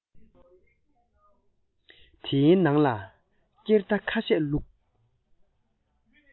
དེའི ནང ལ སྐྱེར མདའ ཁ ཤས བླུགས